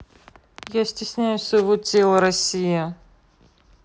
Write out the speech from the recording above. я стесняюсь своего тела россия